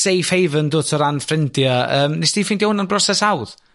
safe haven dw't o ran ffrindia'? 'Nes di ffeindio hwn yn broses hawdd?